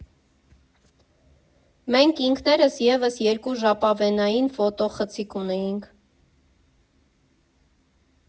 Մենք ինքներս ևս երկու ժապավենային ֆոտոխցիկ ունեինք։